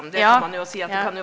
ja ja.